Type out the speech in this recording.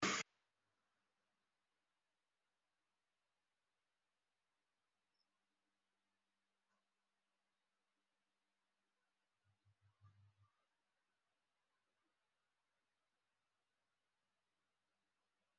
Waa laba gacan oo cilaan amarsanyahay waana gacan dumar